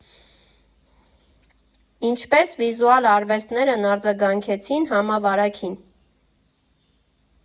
Ինչպես վիզուալ արվեստներն արձագանքեցին համավարակին։